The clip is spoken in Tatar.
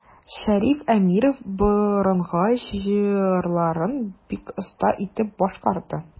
Шәриф Әмиров борынгы җырларны бик оста итеп башкарды.